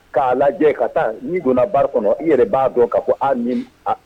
K'a lajɛ ka taa n'i donnana baarari kɔnɔ i yɛrɛ b'a dɔn ka ko ni